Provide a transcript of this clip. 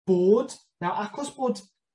bod, naw' acos bod